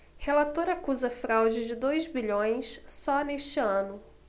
relator acusa fraude de dois bilhões só neste ano